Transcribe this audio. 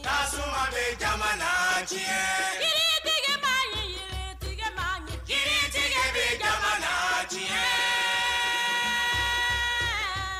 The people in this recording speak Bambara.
Ya bɛ jama j yiritigiba yetigiba min j jɛgɛ bɛ jama la diɲɛ